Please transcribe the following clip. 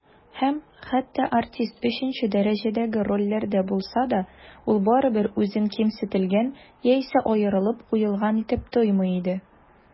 Һәм хәтта артист өченче дәрәҗәдәге рольләрдә булса да, ул барыбыр үзен кимсетелгән яисә аерылып куелган итеп тоймый иде.